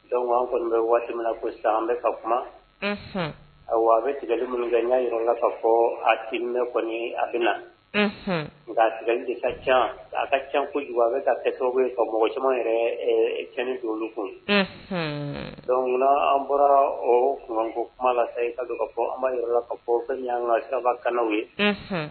Dɔnku' an kɔni bɛ waati min na ko sisan an bɛ ka kuma a bɛ tigali minnu kɛ n y' yɔrɔ la ka fɔ aki bɛ kɔni a bɛ na nka tigɛ de ka ca a ka ca kojugu a bɛ ka kɛ tɔgɔ ye ka mɔgɔ caman yɛrɛ cɛn to olukun don kunna an bɔra ko kuma laseyi ka don ka fɔ an ma yɔrɔ ka fɔ' ka sa kanw ye